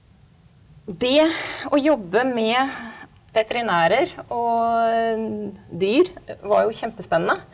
det å jobbe med veterinærer og dyr var jo kjempespennende.